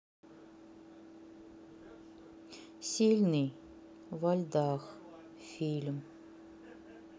сильный во льдах фильм